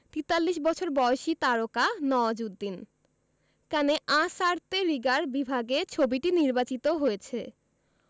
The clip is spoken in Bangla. ৪৩ বছর বয়সী তারকা নওয়াজুদ্দিন কানে আঁ সারতে রিগার বিভাগে ছবিটি নির্বাচিত হয়েছে